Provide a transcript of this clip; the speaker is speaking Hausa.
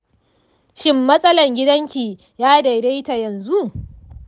shin matsalan gidanki ya daidaita yanzu?